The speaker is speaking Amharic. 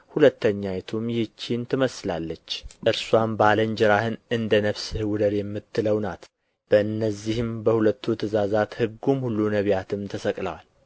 ሁለተኛይቱም ይህችን ትመስላለች እርስዋም ባልንጀራህን እንደ ነፍስህ ውደድ የምትለው ናት በእነዚህ በሁለቱ ትእዛዛት ሕጉም ሁሉ ነቢያትም ተሰቅለዋል